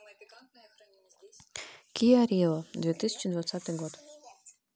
киа рио две тысячи двадцатый год